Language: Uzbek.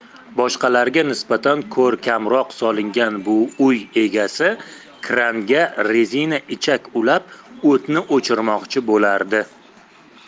boshqalarga nisbatan ko'rkamroq solingan bu uy egasi kranga rezina ichak ulab o'tni o'chirmoqchi bo'lardi